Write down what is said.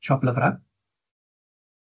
Siop lyfrau.